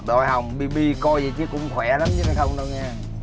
đội hồng bi bi coi vậy chứ cũng khỏe lắm chứ không đâu nha